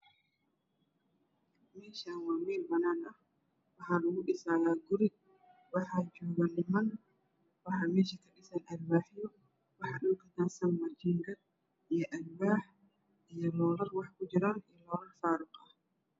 Meshan waa mel banan ah waxa ludhisaya guri waxa joogo niman waxa mesh kadhisan alwaxyo waxa dhulka dasan jingad io alwax io lorar wax kujiran